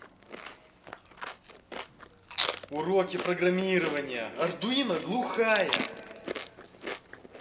уроки программирования ардуино глухая